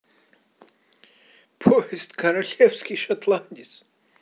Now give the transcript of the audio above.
поезд королевский шотландец